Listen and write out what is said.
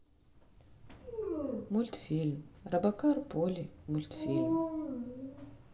мультфильм робокар поли мультфильм